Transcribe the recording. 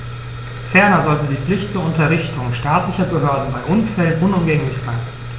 Ferner sollte die Pflicht zur Unterrichtung staatlicher Behörden bei Unfällen unumgänglich sein.